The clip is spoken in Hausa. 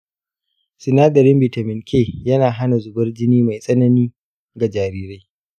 sinadarin bitamin k yana hana zubar jini mai tsanani ga jarirai.